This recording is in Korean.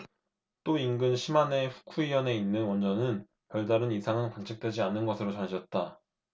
또 인근 시마네 후쿠이현에 있는 원전은 별다른 이상은 관측되지 않은 것으로 전해졌다